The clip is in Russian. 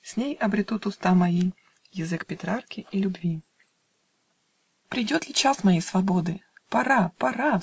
С ней обретут уста мои Язык Петрарки и любви. Придет ли час моей свободы? Пора, пора!